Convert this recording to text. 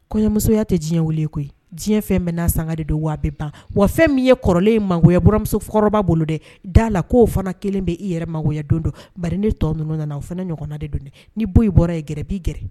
Kɔɲɔmusoya te diɲɛwili ye koyi diɲɛ fɛn bɛ n'a saŋa de don wa a be ban wa fɛn min ye kɔrɔlen in mangoya buramusof kɔrɔba bolo dɛ d'a la k'o fana 1 be i yɛrɛ mangoya dondo bari ne tɔ ninnu nana o fɛnɛ ɲɔgɔnna de don dɛ ni Boyi bɔra ye Gɛrɛ b'i gɛrɛ